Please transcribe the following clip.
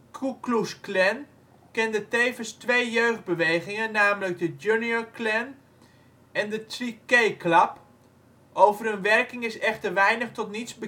Ku Klux Klan kende tevens twee jeugdbewegingen, namelijk de Junior Klan en de Tri-K-Klub. Over hun werking is echter weinig tot niets